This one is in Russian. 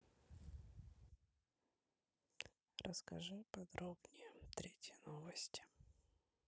расскажи подробнее третьи новости